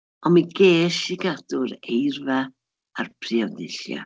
Ond mi ges i gadw'r eirfa a'r priod ddulliau.